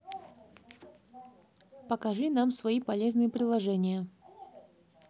покажи нам свои полезные приложения